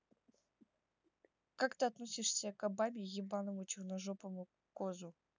как ты относишься к обаме ебаному черножопому козу